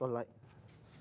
tuân lệnh